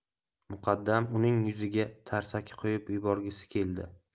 muqaddam uning yuziga tarsaki qo'yib yuborgis keldi